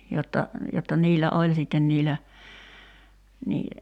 jotta jotta niillä oli sitten niillä niin